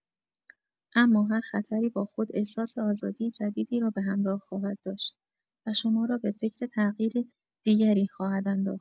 اما هر خطری با خود احساس آزادی جدیدی را به همراه خواهد داشت و شما را به فکر تغییر دیگری خواهد انداخت.